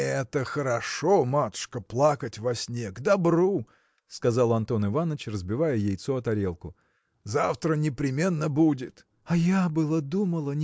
– Это хорошо, матушка, плакать во сне: к добру! – сказал Антон Иваныч разбивая яйцо о тарелку – завтра непременно будет. – А я было думала